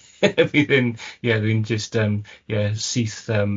fi ddim ie dwi'n jyst yym ie syth yym